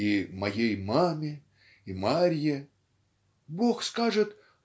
И "моей маме" и Марье "Бог скажет